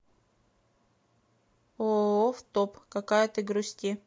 ооо в топ какая ты грусти